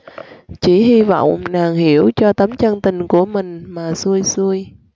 chỉ hy vọng nàng hiểu cho tấm chân tình của mình mà xuôi xuôi